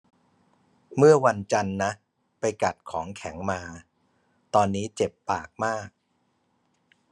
เมื่อวันจันทร์นะไปกัดของแข็งมาตอนนี้เจ็บปากมาก